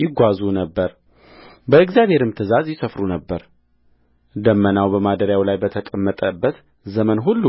ይጓዙ ነበር በእግዚአብሔርም ትእዛዝ ይሰፍሩ ነበር ደመናው በማደሪያው ላይ በተቀመጠበት ዘመን ሁሉ